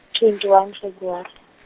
twenty one February.